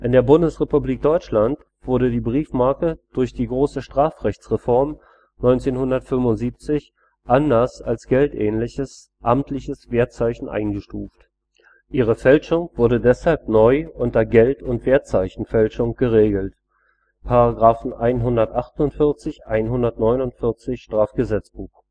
der Bundesrepublik Deutschland wurde die Briefmarke durch die Große Strafrechtsreform 1975 anders als geldähnliches „ amtliches Wertzeichen “eingestuft. Ihre Fälschung wurde deshalb neu unter „ Geld - und Wertzeichenfälschung “geregelt (§§ 148, 149 StGB